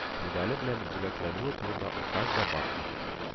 Медале белән бүләкләнүе турында указ да бар иде